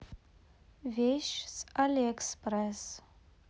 вещи с алиэкспресс